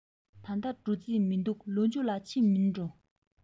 ད ལྟ འགྲོ རྩིས མི འདུག ལོ མཇུག ལ ཕྱིན མིན འགྲོ